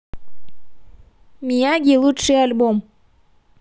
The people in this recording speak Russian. мияги лучший альбом